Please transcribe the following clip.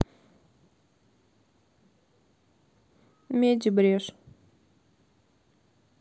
меди брешь